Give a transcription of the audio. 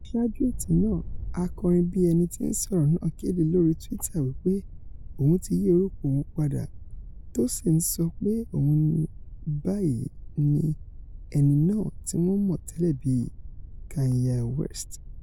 Saájú ètò náà, akọrinbíẹnití-ń-sọ̀rọ̀ náà kéde lori Twitter wí pé òun ti yí orúkọ òun pada, tósì ńsọ pé òun ní báyìí ni ''ẹni náà tíwọ́n mọ̀ tẹ́lệ bíi Kanye West.''